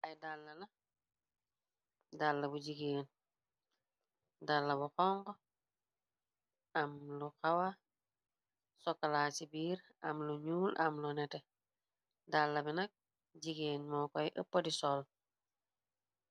Y dalala dalla bu jigeen dalla bu xong am lu xawa sokalaa ci biir am lu ñuul am lu nete dalla binag jigeen moo koy ëpp di soll.